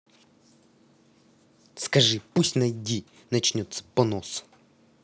скажи пусть найди начнется понос